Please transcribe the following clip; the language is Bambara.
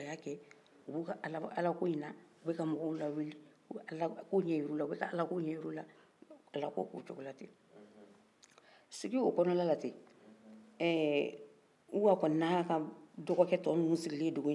u bɛ ka ala ko ɲɛn jir'u la ka ala ko ɲɛn jir'ula ten sigin o kɔnɔna na ten ehhh uwa kɔni n'a dɔgɔkɛ tɔw minun siginlen bɛ dugu in na